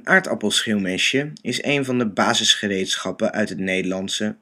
aardappelschilmesje is een van de basisgereedschappen uit de Nederlandse